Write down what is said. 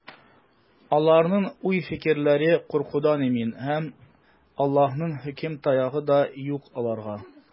Аларның уй-фикерләре куркудан имин, һәм Аллаһының хөкем таягы да юк аларга.